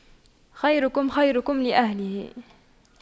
خيركم خيركم لأهله